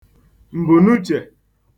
m̀bùnuchè